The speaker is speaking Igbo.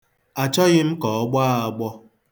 Achọghị m ka ọ gbọọ agbọ.